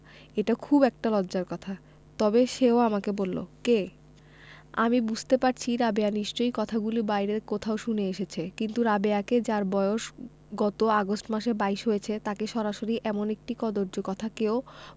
এটা খুব একটা লজ্জার কথা তবে যে ও আমাকে বললো কে আমি বুঝতে পারছি রাবেয়া নিশ্চয়ই কথাগুলি বাইরে কোথাও শুনে এসেছে কিন্তু রাবেয়াকে যার বয়স গত আগস্ট মাসে বাইশ হয়েছে তাকে সরাসরি এমন একটি কদৰ্য কথা কেউ